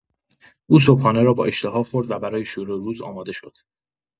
او صبحانه را با اشتها خورد و برای شروع روز آماده شد.